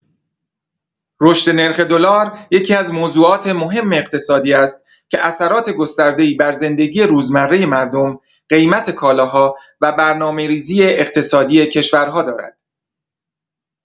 رشد نرخ دلار یکی‌از موضوعات مهم اقتصادی است که اثرات گسترده‌ای بر زندگی روزمره مردم، قیمت کالاها و برنامه‌ریزی اقتصادی کشورها دارد.